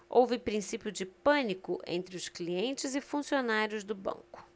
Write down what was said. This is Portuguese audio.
houve princípio de pânico entre os clientes e funcionários do banco